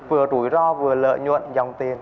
vừa rủi ro vừa lợi nhuận dòng tiền